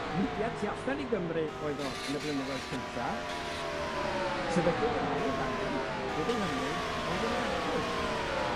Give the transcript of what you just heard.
Mudiad tu allan i Gymru oedd o yn y blynyddoedd cynta, sefydlwyd yr ail gangen, nid yng Nghymru, ond yn Lerpwl.